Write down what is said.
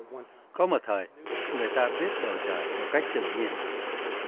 có một thời người ta biết bầu trời một cách tự nhiên